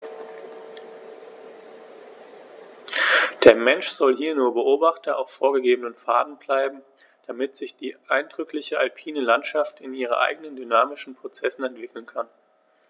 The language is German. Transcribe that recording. Der Mensch soll hier nur Beobachter auf vorgegebenen Pfaden bleiben, damit sich die eindrückliche alpine Landschaft in ihren eigenen dynamischen Prozessen entwickeln kann.